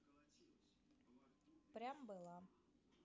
прям была